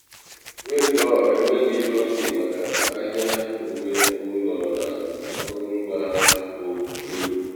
Willoughby enweghị oge maka ahịa uwe ụlọ na akụrụngwa ha bụ Truly.